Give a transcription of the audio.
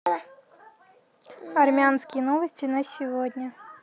армянские новости на сегодня